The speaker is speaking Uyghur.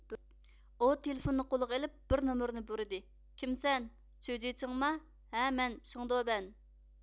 ئۇ تېلېفوننى قولىغا ئېلىپ بىر نومۇرنى بۇرىدى كىم سەن چۈيجىچىڭما ھە مەن شېڭدۇبەن